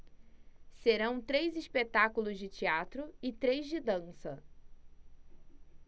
serão três espetáculos de teatro e três de dança